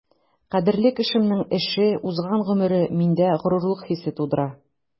Кадерле кешемнең эше, узган гомере миндә горурлык хисе тудыра.